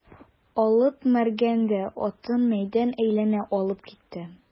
Алып Мәргән дә атын мәйдан әйләнә алып китте.